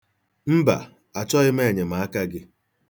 Mba! Achọghị m enyemaka gị.